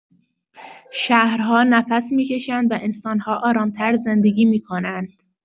شهرها نفس می‌کشند و انسان‌ها آرام‌تر زندگی می‌کنند.